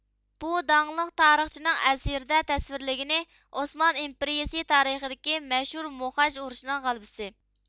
بۇ داڭلىق تارىخچىنىڭ ئەسىرىدە تەسۋىرلىگىنى ئوسمان ئىمپېرىيىسى تارىخىدىكى مەشھۇر موخاج ئۇرۇشىنىڭ غەلىبىسى